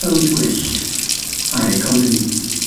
bywyd gwyllt, ar economi.